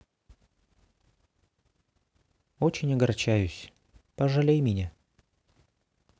очень огорчаюсь пожалей меня